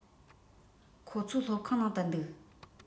ཁོ ཚོ སློབ ཁང ནང དུ འདུག